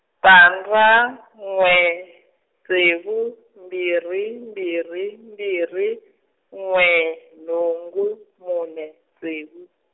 tandza, n'we, ntsevu mbirhi mbirhi mbirhi, n'we nhungu mune ntsevu.